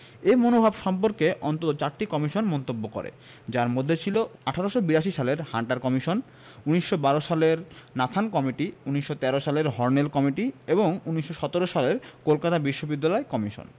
এ মনোভাব সম্পর্কে অন্তত চারটি কমিশন মন্তব্য করে যার মধ্যে ছিল ১৮৮২ সালের হান্টার কমিশন ১৯১২ সালের নাথান কমিটি ১৯১৩ সালের হর্নেল কমিটি এবং ১৯১৭ সালের কলকাতা বিশ্ববিদ্যালয় কমিশন